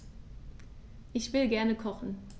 Ich will gerne kochen.